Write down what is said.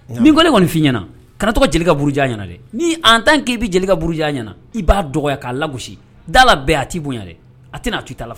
N y'a mɛn, n bɛ kelen kɔnni f'i ɲɛna kana tɔ ka Jelika buruja a ɲɛna dɛ. Ni en temps que i bɛ Jelika buruja a ɲɛna, i b'a dɔgɔya k'a lagosi, d'ala bɛɛ a t'i bonya dɛ, a tɛna to i ta la.